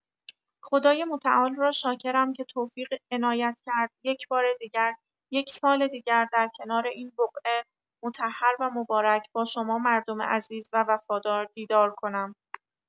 خدای متعال را شاکرم که توفیق عنایت کرد یک‌بار دیگر، یک سال دیگر در کنار این بقعه مطهر و مبارک با شما مردم عزیز و وفادار دیدار کنم.